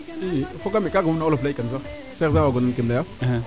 i fogaame kaga moom na olof ley kan sax sergent waago nan kem leyaa